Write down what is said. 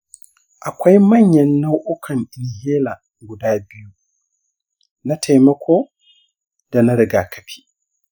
akwai manyan nau’ukan inhaler guda biyu, na taimako da na rigakafi.